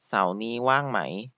เสาร์นี้ว่างไหม